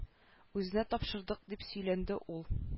Үзенә тапшырдык дип сөйләнде ул